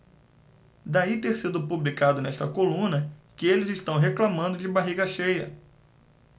daí ter sido publicado nesta coluna que eles reclamando de barriga cheia